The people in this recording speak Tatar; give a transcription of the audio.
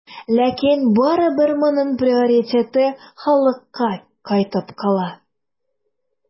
Ләкин барыбер моның приоритеты халыкка кайтып кала.